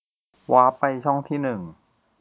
วาปไปช่องที่หนึ่ง